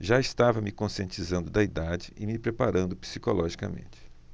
já estava me conscientizando da idade e me preparando psicologicamente